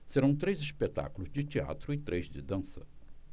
serão três espetáculos de teatro e três de dança